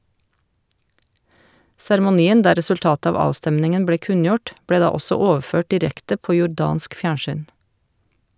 Seremonien der resultatet av avstemningen ble kunngjort, ble da også overført direkte på jordansk fjernsyn.